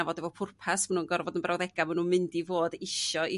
fod hefo pwrpas ma' nw'n gorfod bod yn brawddega' ma' n'w'n mynd i fod isio i